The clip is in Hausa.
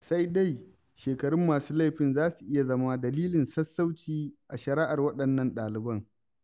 Sai dai shekarun masu laifin za su iya zama "dalilin sassauci" a shari'ar waɗannan ɗaliban.